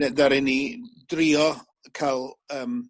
ne- ddaru ni drio ca'l yym